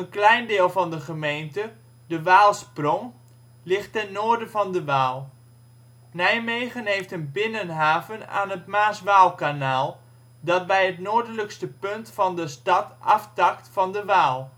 klein deel van de gemeente, de Waalsprong, ligt ten noorden van de Waal. Nijmegen heeft een binnenhaven aan het Maas-Waalkanaal, dat bij het noordelijkste punt van de stad aftakt van de Waal